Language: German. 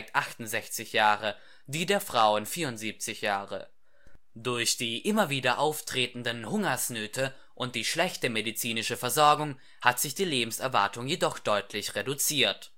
68 Jahre, die der Frauen 74 Jahre. Durch die immer wieder auftretenden Hungersnöte und die schlechte medizinische Versorgung hat sich die Lebenserwartung jedoch deutlich reduziert